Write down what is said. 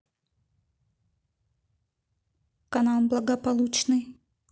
канал благополучный